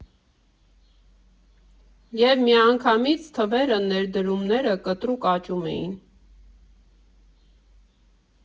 Եվ միանգամից թվերը, ներդրումները կտրուկ աճում էին։